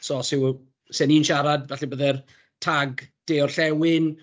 so sa i'n gwbod 'sen i'n siarad falle byddai'r tag de orllewin.